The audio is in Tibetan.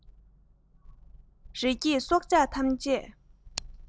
རི སྐྱེས སྲོག ཆགས ཐམས ཅད